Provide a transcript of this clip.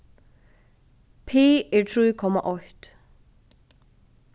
pi er trý komma eitt